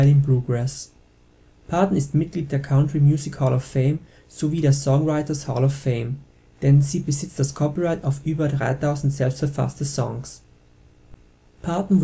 Bluegrass. Parton ist Mitglied der Country Music Hall of Fame sowie der Songwriters Hall of Fame, denn sie besitzt das Copyright auf über 3000 selbstverfasste Songs. Parton